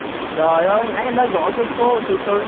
trời ơi nãy em đã gọi cho cô từ từ